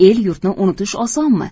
el yurtni unutish osonmi